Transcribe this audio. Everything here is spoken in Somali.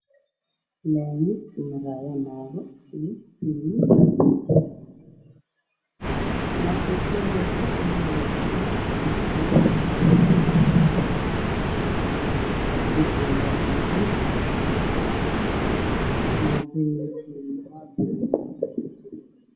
Laami marayaan niman iyo naagta u soo horeyso waxay wadataa xijaab madow ah iyo jaallaha ninka ugu soo horeeyana wuxuu wataa fanaanad madow ah iyo shuruucdaan